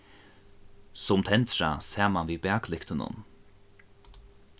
sum tendra saman við baklyktunum